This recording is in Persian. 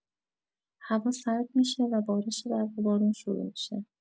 هوا سرد می‌شه و بارش برف و بارون شروع می‌شه.